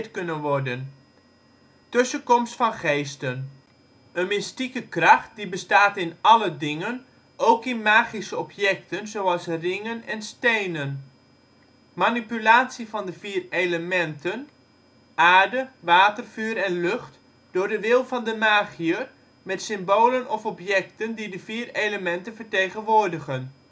kunnen worden tussenkomst van geesten een ' mystieke kracht ' die bestaat in alle dingen, ook in magische objecten zoals ringen en stenen. manipulatie van de 4 elementen (Aarde, Water, Vuur en Lucht) door de wil van de magiër, met symbolen of objecten die de 4 elementen vertegenwoordigen